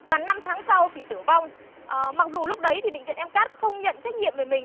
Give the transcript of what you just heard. và năm tháng sau thì tử vong ờ mặc dù lúc đấy thì bệnh viện em cát không nhận trách nhiệm về mình